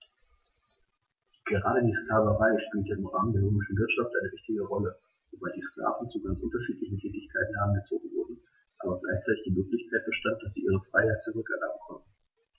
Gerade die Sklaverei spielte im Rahmen der römischen Wirtschaft eine wichtige Rolle, wobei die Sklaven zu ganz unterschiedlichen Tätigkeiten herangezogen wurden, aber gleichzeitig die Möglichkeit bestand, dass sie ihre Freiheit zurück erlangen konnten.